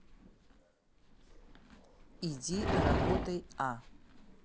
иди работай а